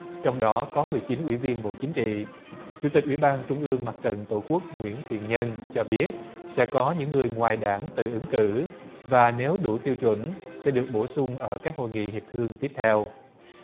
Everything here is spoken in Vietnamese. trong đó có mười chín ủy viên bộ chính trị chủ tịch ủy ban trung ương mặt trận tổ quốc nguyễn thiện nhân cho biết sẽ có những người ngoài đảng tự ứng cử và nếu đủ tiêu chuẩn sẽ được bổ sung ở các hội nghị hiệp thương tiếp theo